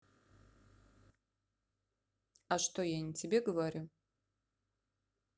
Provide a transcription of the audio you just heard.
а что я не тебе говорю